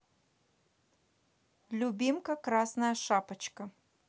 любимка красная шапочка